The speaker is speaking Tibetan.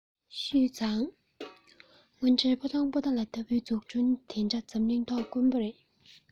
ཞུས ཙང དངོས འབྲེལ ཕོ བྲང པོ ཏ ལ ལྟ བུའི འཛུགས སྐྲུན དེ འདྲ འཛམ གླིང ཐོག དཀོན པོ རེད